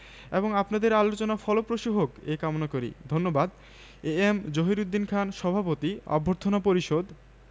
দ্বিতীয় বার্ষিক সম্মেলন চট্টগ্রাম অর্থনীতি সমিতি তারিখ চট্টগ্রাম ২৪শে April ১৯৭৬ collected from intermediate Bangla Bengali Clinton B Seely